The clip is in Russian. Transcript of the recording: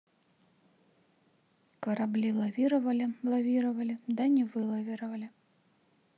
корабли лавировали лавировали да не вылавировали